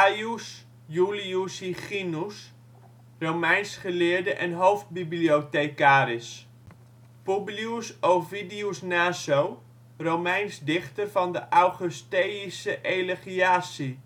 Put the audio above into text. Gaius Iulius Hyginus, Romeins geleerde en hoofdbibliothecaris Publius Ovidius Naso, Romeins dichter van de Augusteïsche elegiaci